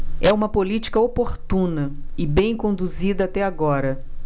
é uma política oportuna e bem conduzida até agora